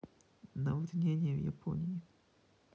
наводнение в японии